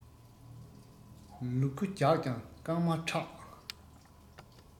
ལུ གུ རྒྱགས ཀྱང རྐང མར ཁྲག